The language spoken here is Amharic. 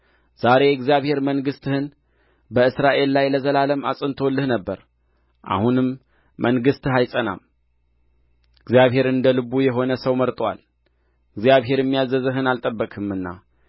ዛሬ እግዚአብሔር መንግሥትህን በእስራኤል ላይ ለዘላለም አጽንቶልህ ነበረ አሁንም መንግሥትህ አይጸናም እግዚአብሔር እንደ ልቡ የሆነ ሰው መርጦአል እግዚአብሔርም ያዘዘህን አልጠበቅህምና